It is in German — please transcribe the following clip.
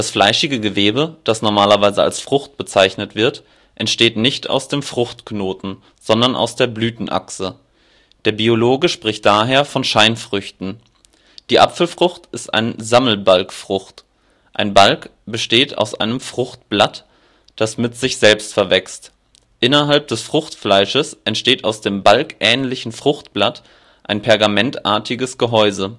fleischige Gewebe, das normalerweise als Frucht bezeichnet wird, entsteht nicht aus dem Fruchtknoten, sondern aus der Blütenachse, der Biologe spricht daher von Scheinfrüchten. Die Apfelfrucht ist eine Sammelbalgfrucht. Ein Balg besteht aus einem Fruchtblatt, das mit sich selbst verwächst. Innerhalb des Fruchtfleisches entsteht aus dem balgähnlichen Fruchtblatt ein pergamentartiges Gehäuse